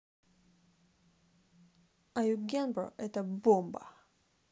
eugenbro это бомба